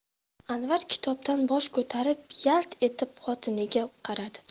anvar kitobdan bosh ko'tarib yalt etib xotiniga qaradi